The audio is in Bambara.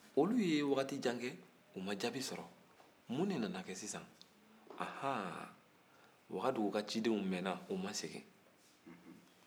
olu ye waati jan kɛ u ma jaabi sɔrɔ mun de nana kɛ ahan wagadu ka cidenw mɛnna u ma segin